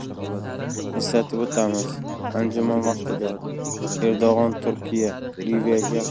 eslatib o'tamiz anjuman vaqtida erdo'g'on turkiya liviyaga